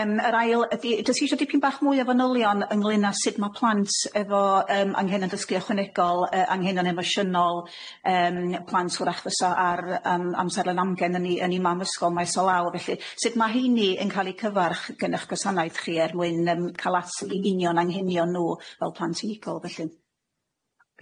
Yym yr ail ydi jyst isio dipyn bach mwy o fanylion ynglŷn â sut ma' plant efo yym angheion dysgu ychwanegol yy anghenion emosiynol yym plant 'w'rach fysa ar yym amserlen amgen yn i yn i mam ysgol maes o law felly, sut ma' 'heini yn ca'l eu cyfarch gen y'ch gwasanaeth chi er mwyn yym ca'l at i i union anghenion nhw fel plant unigol felly.